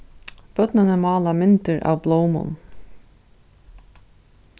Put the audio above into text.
børnini mála myndir av blómum